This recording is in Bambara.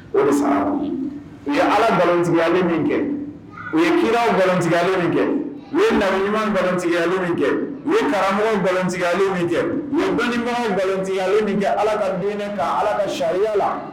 O de u ye ala balimatigiya min kɛ u ye ki bɛtigiigyali min kɛ u ye na ɲuman bɛtigiyali min kɛ u ye karamɔgɔw bɛtigiyali min kɛ u balimainmɔgɔ in bɛlɛtigiigyali nin kɛ ala ka deninɛ ka ala ka sariyaya la